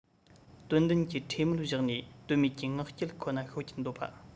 དོན ལྡན གྱི འཕྲོས མོལ བཞག ནས དོན མེད ཀྱི ངག ཀྱལ ཁོ ན ཤོད ཀྱིན སྡོད པ